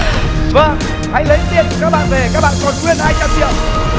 vâng hãy lấy tiền của các bạn về các bạn còn nguyên hai trăm triệu